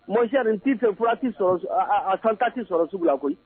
Mɔc tɛ tɛti sɔrɔ a kanti sɔrɔ sugu la koyi